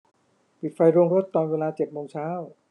ปิดไฟโรงรถตอนเวลาเจ็ดโมงเช้า